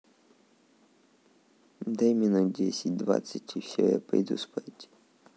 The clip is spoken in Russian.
дай минут десять двадцать и все я пойду спать